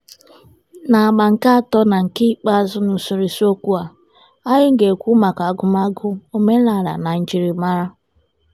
N'agba nke atọ na nke ikpeazụ n'usoro isiokwu a, anyị ga-ekwu maka agụmagụ, omenala na njirimara.